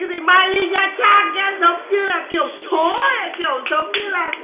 gì mai ly nha trang nghe giống như là kiểu số ấy kiểu giống như là